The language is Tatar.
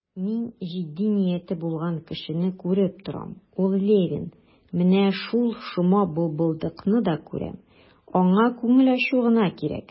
Мин җитди нияте булган кешене күреп торам, ул Левин; менә шул шома бытбылдыкны да күрәм, аңа күңел ачу гына кирәк.